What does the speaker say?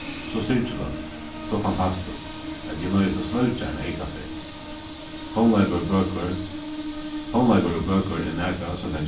so syrgiligt so fantastiskt at eg noyðist at svølgja eina eyka ferð tónleikur bøkur tónleikur og bøkur er nakað sum kann